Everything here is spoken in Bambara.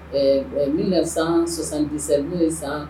Ɛɛ minnu na san sɔsan dɛsɛsa n'o ye san